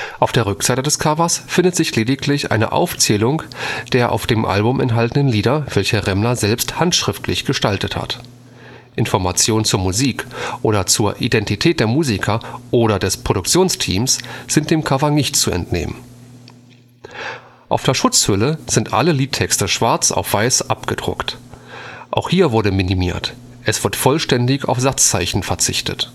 Auf der Rückseite des Covers findet sich lediglich eine Aufzählung der auf dem Album enthaltenen Lieder, welche Remmler selbst handschriftlich gestaltet hat. Informationen zur Musik oder zur Identität der Musiker oder des Produktionsteams sind dem Cover nicht zu entnehmen. Auf der Plattenschutzhülle sind alle Liedtexte schwarz auf weiß abgedruckt. Auch hier wurde minimiert: Es wird vollständig auf Satzzeichen verzichtet